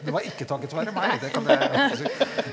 det var ikke takket være meg, det kan jeg holdt jeg på å si.